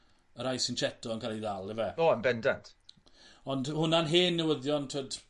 y rai sy'n cheto yn ca'l eu ddal yfe? O yn bendant. Ond hwnna'n hen newyddion t'wod